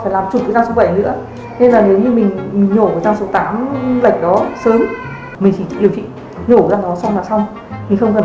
và làm chụp bọc cái răng số nữa nên nếu mình nhổ cái răng số lệch đó sớm thì mình nhổ cái răng đó xong là xong